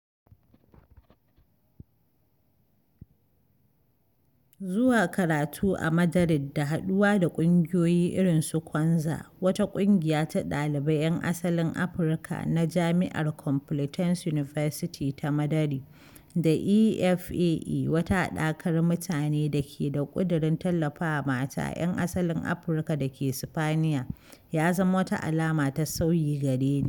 Zuwa karatu a Madrid da haɗuwa da ƙungiyoyi irin su Kwanzza [wata ƙungiya ta ɗalibai 'yan asalin Afrika na jami'ar Complitense University ta Madari] da E.F.A.E [wata haɗakar mutane da ke da ƙidurin tallafawa mata 'yan asalin Afrika dake Sipaniya] ya zama wata alama ta sauyi gare ni.